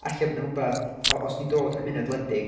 Alle bod o'n rywbeth, o- os ti'n dod o cymuned wledig...